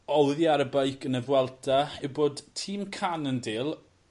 oddi ar y beic yn y Vuelta yw bod tîm Cannondale